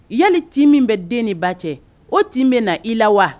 Yali tin min bɛ den ni ba cɛ, o tin bɛ na i la wa?